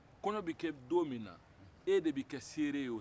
kɔɲɔ bɛ kɛ don min na e de bɛ kɛ seere ye